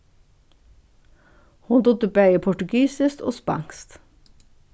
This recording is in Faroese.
hon dugdi bæði portugisiskt og spanskt